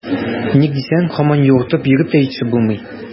Ник дисәң, һаман юыртып йөреп тә җитешеп булмый.